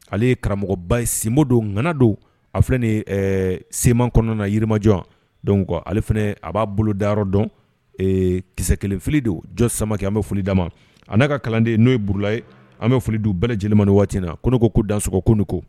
Ale ye karamɔgɔba yesinbon donana don a filɛ nin seman kɔnɔna na yirimajɔ ale fana a b'a bolo dayɔrɔ dɔn kisɛ kelenf don jɔ samabakɛ an bɛ foli d' ma a n'a ka kalanden n'o ye burula ye an bɛ foli dun bɛɛ lajɛlen man ni waati na ko n ne ko ko danso kunun ko